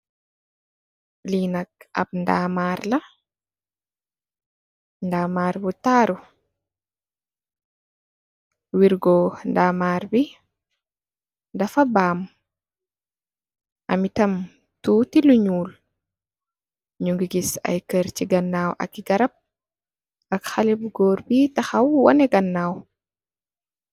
Lii nak, al ndaamarr la. Ndaamarr bu taaru. Wergoo, ndaamarr bi, dafa baam. Ami tam tuuti lu ñuul. Ñu ngi gis ay kër ci ganaaw ak i,garab ak xalé bu goor bii taxaw, wane ganaaw.